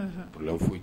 P foyi